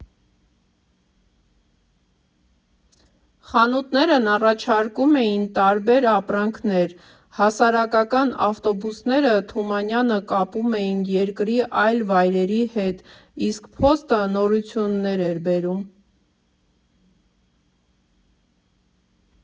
Խանութներն առաջարկում էին տարբեր ապրանքներ, հասարակական ավտոբուսները Թումանյանը կապում էին երկրի այլ վայրերի հետ, իսկ փոստը նորություններ էր բերում։